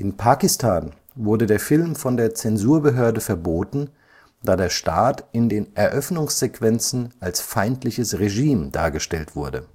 Pakistan wurde der Film von der Zensurbehörde verboten, da der Staat in den Eröffnungssequenzen als feindliches Regime dargestellt wurde